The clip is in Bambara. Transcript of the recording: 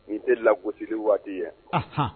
Nin tɛ lagosili waati ye